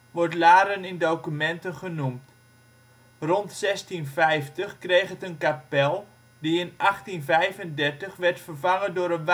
wordt Laren in documenten genoemd. Rond 1650 kreeg het een kapel, die in 1835 werd vervangen door een waterstaatskerk